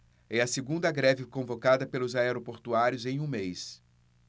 é a segunda greve convocada pelos aeroportuários em um mês